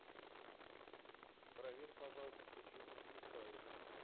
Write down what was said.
проверь пожалуйста почему зависает